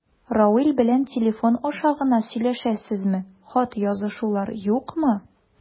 Равил белән телефон аша гына сөйләшәсезме, хат язышулар юкмы?